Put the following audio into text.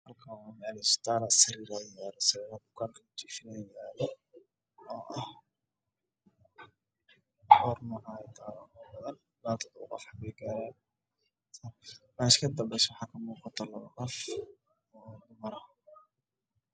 Meeshaan waa meel qol ah waxaana yaalo sariiro loogu talo galay dadka xanuunsan waxaan saaran doodayaal buluug ah